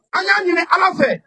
An y'a ɲini ala fɛ